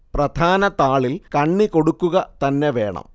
പ്രധാന താളിൽ കണ്ണി കൊടുക്കുക തന്നെ വേണം